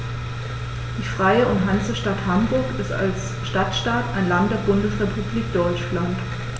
Die Freie und Hansestadt Hamburg ist als Stadtstaat ein Land der Bundesrepublik Deutschland.